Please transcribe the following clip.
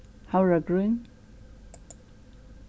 havragrýn